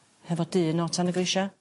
hefo dyn o Tan y Grisia.